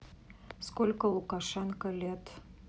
сколько лукашенко лет